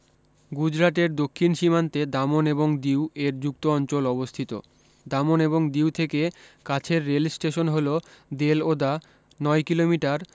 গুজরাটের দক্ষিণ সীমান্তে দামন এবং দিউ এর যুক্ত অঞ্চল অবস্থিত দামন এবং দিউ থেকে কাছের রেলস্টেশন হল দেলওদা নয় কিলোমিটার